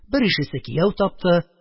Беришесе кияү тапты